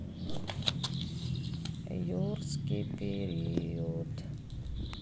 юрский период